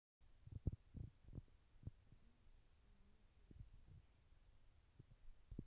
выйди и не переспрашивай